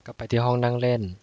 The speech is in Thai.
กลับไปที่ห้องนั่งเล่น